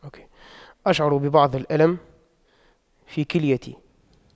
أشعر ببعض الألم في كليتي